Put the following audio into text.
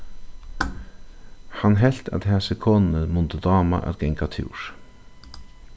hann helt at hasi konuni mundi dáma at ganga túr